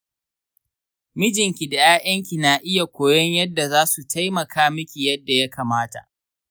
mijinki da ‘ya’yanki na iya koyon yadda za su taimaka miki yadda ya kamata.